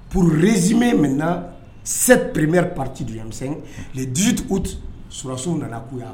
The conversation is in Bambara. Pur rezime min na se peremeri pariti jurumisɛnsɛn ditigiw sulasiw nana ko yan